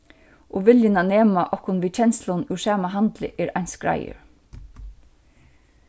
og viljin at nema okkum við kenslum úr sama handli er eins greiður